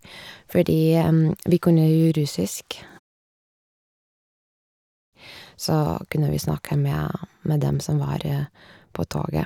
Fordi vi kunne jo russisk, Så kunne vi snakke med med dem som var på toget.